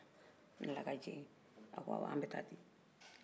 ni ala ka jɛ ye a ko awo an bɛ ta ten